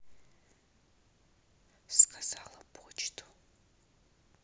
сказала почту